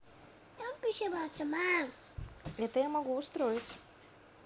это я могу устроить